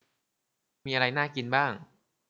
มีอะไรน่ากินบ้าง